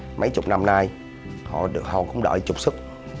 mấy chục năm nay họ được hầu cũng đợi trục xuất